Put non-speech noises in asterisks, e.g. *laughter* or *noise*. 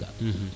*hesitation* *hesitation*